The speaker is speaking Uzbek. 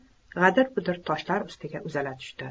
g'adir budir toshlar ustiga uzala tushdi